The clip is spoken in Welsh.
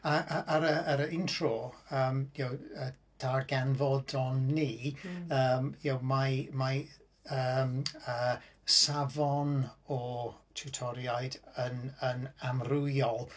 A a ar y... ar y un tro yym y'know yy darganfodon ni yym y'know mae mae yym yy safon o tiwtoriaid yn yn amrywiol.